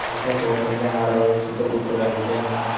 xashak ortilgan arava ustida o'tirar ekanman